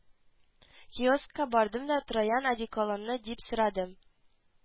Киоскка бардым да троян одеколоны дип сорадым